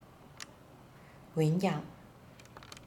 འོན ཀྱང